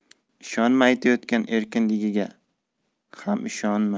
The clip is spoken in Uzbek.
ishonma aytayotgan erkinligiga ham ishonma